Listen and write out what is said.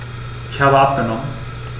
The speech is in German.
Ich habe abgenommen.